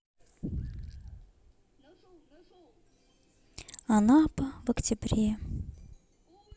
анапа в октябре